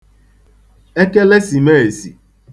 Ekelesìmeèsì